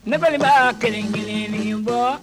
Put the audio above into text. Ne balimaba kelen kelen ni bɔ